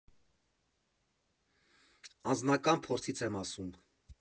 Անձնական փորձից եմ ասում։